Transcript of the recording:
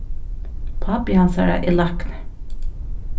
pápi hansara er lækni